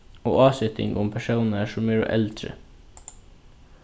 og áseting um persónar sum eru eldri